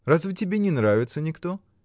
— Разве тебе не нравится никто?